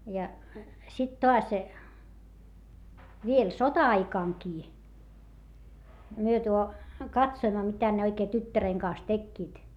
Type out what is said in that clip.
ja sitten taas vielä sota-aikanakin me tuo katsoimme mitä ne oikein tyttären kanssa tekivät